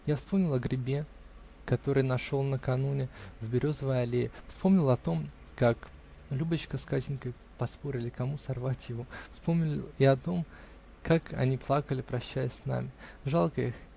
Я вспомнил о грибе, который нашел накануне в березовой аллее, вспомнил о том, как Любочка с Катенькой поспорили -- кому сорвать его, вспомнил и о том, как они плакали, прощаясь с нами. Жалко их!